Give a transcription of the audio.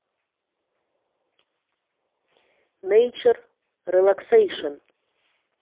нэйчер релаксэйшн